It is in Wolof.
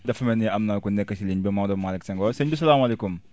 dafa mel ni am na ku nekk ci ligne bi Maodo Malick Senghor sëñ bi salaamaaleykum